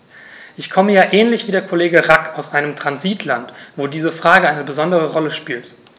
Ich komme ja ähnlich wie der Kollege Rack aus einem Transitland, wo diese Frage eine besondere Rolle spielt.